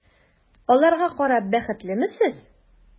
Аларга карап бәхетлеме сез?